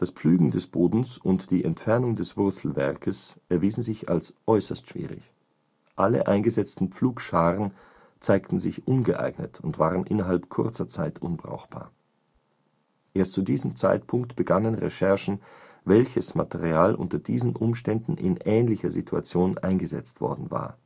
Pflügen des Bodens und die Entfernung des Wurzelwerkes erwiesen sich als äußerst schwierig. Alle eingesetzten Pflugscharen zeigten sich ungeeignet und waren innerhalb kurzer Zeit unbrauchbar. Erst zu diesem Zeitpunkt begannen Recherchen, welches Material unter diesen Umständen in ähnlicher Situation eingesetzt worden war